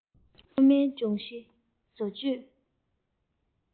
སློབ མའི སྦྱོང གཞི བཟོ བཅོས